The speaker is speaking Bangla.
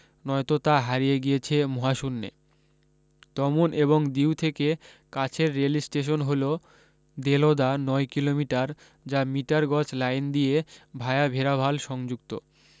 নয়তো তা হারিয়ে গিয়েছে মহাশূন্যে দমন এবং দিউ থেকে কাছের রেলস্টেশন হলো দেলওদা নয় কিলোমিটার যা মিটার গজ লাইন দিয়ে ভায়া ভেরাভাল সংযুক্ত